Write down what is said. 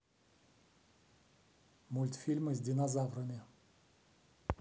мультфильмы с динозаврами